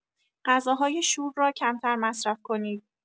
غذاهای شور را کمتر مصرف کنید.